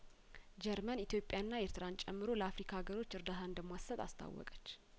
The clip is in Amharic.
ጀርመን ኢትዮጵያና ኤርትራን ጨምሮ ለአፍሪካ አገሮች እርዳታ እንደማትሰጥ አስታወቀች